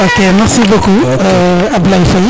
ok merci beaucoup Ablaye Faye